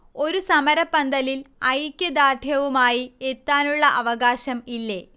ഒരു സമരപന്തലിൽ ഐക്യദാർഢ്യവുമായി എത്താനുള്ള അവകാശം ഇല്ലേ